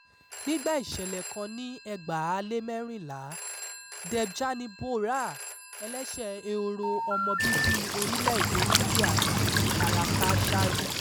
Nígbà ìṣẹ̀lẹ̀ kan ní 2014, Debjani Bora, ẹlẹ́sẹ̀ ehoro ọmọ bíbíi orílẹ̀-èdèe India ti fi ara kááṣá rí.